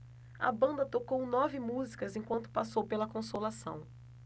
a banda tocou nove músicas enquanto passou pela consolação